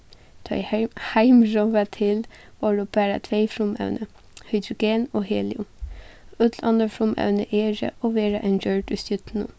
tá ið heimurin var til vóru bara tvey frumevni hydrogen og helium øll onnur frumevni eru og verða enn gjørd í stjørnum